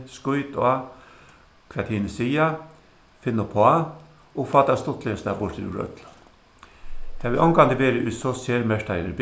skít á hvat hini siga finn uppá og fá tað stuttligasta burtur úr øllum havi ongantíð verið í so sermerktari